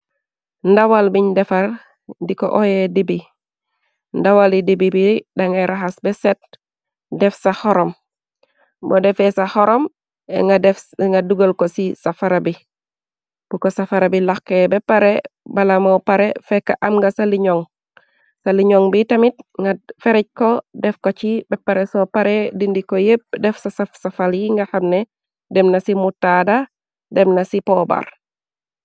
Ndawal biñ defar di ko oyee dibi ndawali di bi bi da ngay raxas be set def sa xorom bo defee sa xoromnga dugal ko ci sa fara bi bu ko sa fara bi laxqee beppare bala moo pare fekk am nga sa liñoŋ sa liñoŋ bi tamit nga ferij ko def ko ci beppare soo pare dindi ko yépp def sa a-safal yi nga xamne dem na ci mutaada dem na ci poobar.